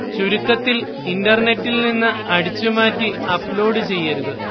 ചുരുക്കത്തില്‍ ഇന്റര്നെറ്റില്‍ നിന്ന് അടിച്ചു മാറ്റി അപ്ലോഡ് ചെയ്യരുത്